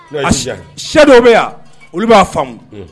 Sɛ dɔ bɛ yan olu b'a faamumu